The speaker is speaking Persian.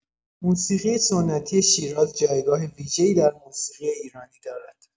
موسیقی سنتی شیراز جایگاه ویژه‌ای در موسیقی ایرانی دارد.